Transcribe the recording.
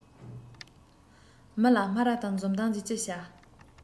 མི ལ སྨ ར དང འཛུམ མདངས ཀྱིས ཅི བྱ